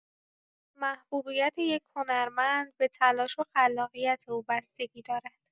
محبوبیت یک هنرمند به تلاش و خلاقیت او بستگی دارد.